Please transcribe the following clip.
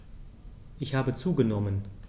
Ich habe zugenommen.